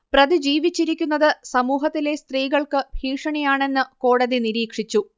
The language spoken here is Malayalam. പ്രതി ജീവിച്ചിരിക്കുന്നത് സമൂഹത്തിലെ സ്ത്രീകൾക്ക് ഭീഷണിയാണെന്ന് കോടതി നിരീക്ഷിച്ചു